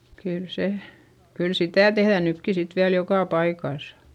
kyllä se kyllä sitä tehdään nytkin sitten vielä joka paikassa